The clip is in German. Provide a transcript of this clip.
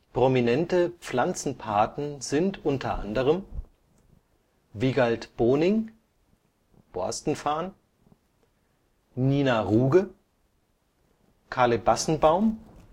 Prominente Pflanzenpaten sind unter anderem: Wigald Boning (Borstenfarn), Nina Ruge (Kalebassenbaum